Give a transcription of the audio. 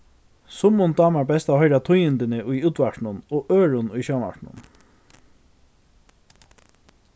summum dámar best at hoyra tíðindini í útvarpinum og øðrum í sjónvarpinum